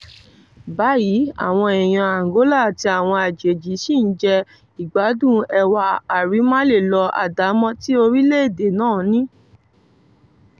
Báyìí, àwọn èèyàn Angola àti àwọn àjèjì sì ń jẹ ìgbádùn ẹwà àrímáleèlọ àdámọ́ tí orílẹ̀-èdè náà ní.